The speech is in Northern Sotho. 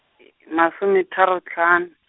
masometharo tlhano.